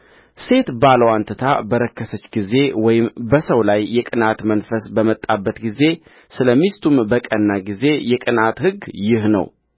ሴት ባልዋን ትታ በረከሰች ጊዜ ወይም በሰው ላይ የቅንዓት መንፈስ በመጣበት ጊዜ ስለ ሚስቱም በቀና ጊዜ የቅንዓት ሕግ ይህ ነው